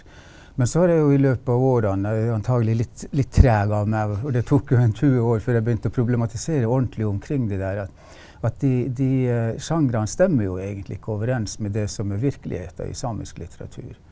men så har jeg jo i løpet av årene jeg er antagelig litt litt treg av meg for det tok jo en 20 år før jeg begynte å problematisere ordentlig omkring det der at at de de sjangrene stemmer jo egentlig ikke overens med det som er virkeligheta i samisk litteratur.